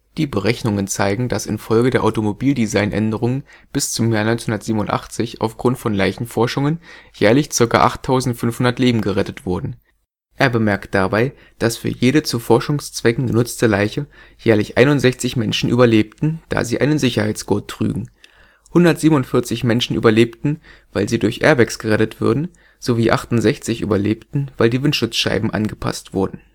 Die Berechnungen zeigen, dass in Folge der Automobildesign-Änderungen bis zum Jahr 1987 aufgrund von Leichenforschungen jährlich ca. 8500 Leben gerettet wurden. Er bemerkt dabei, dass für jede zu Forschungszwecken genutzte Leiche jährlich 61 Menschen überlebten, da sie einen Sicherheitsgurt trügen. 147 Menschen überlebten, weil sie durch Airbags gerettet würden, sowie 68 überlebten, weil die Windschutzscheiben angepasst wurden